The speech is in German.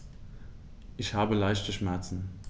Ich habe leichte Schmerzen.